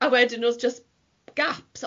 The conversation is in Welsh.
A wedyn o'dd jyst gaps.